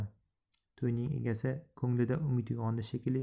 to'y egasining ko'nglida umid uyg'ondi shekilli